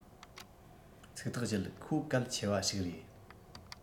ཚིག ཐག བཅད ཁོ ཆེས གལ ཆེ བ ཞིག རེད